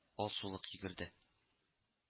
Алсулык йөгерде